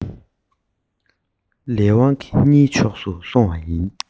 ལས དབང གི རྙིའི ཕྱོགས སུ སོང བ ཡིན